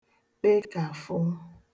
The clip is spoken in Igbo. kpekàfụ